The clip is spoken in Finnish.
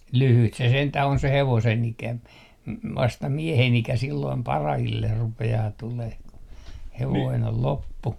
lyhyt se sentään on se hevosen ikä - vasta miehen ikä silloin parhaille rupeaa tulemaan kun hevonen on loppu